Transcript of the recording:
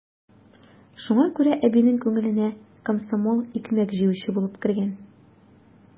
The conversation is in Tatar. Шуңа күрә әбинең күңеленә комсомол икмәк җыючы булып кергән.